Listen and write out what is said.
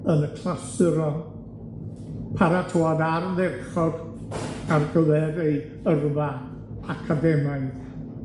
yn y clasuron, paratoad ardderchog ar gyfer ei yrfa academaidd.